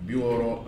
Bi rɔ